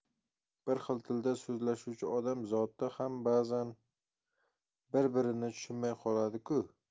bir xil tilda so'zlashuvchi odam zoti ham bazan bir birini tushunmay qoladi ku